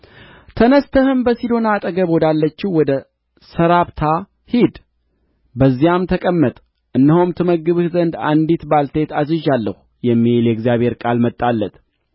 ተነሥተህም በሲዶና አጠገብ ወዳለችው ወደ ሰራፕታ ሂድ በዚያም ተቀመጥ እነሆም ትመግብህ ዘንድ አንዲት ባልቴት አዝዣለሁ የሚል የእግዚአብሔር ቃል መጣለት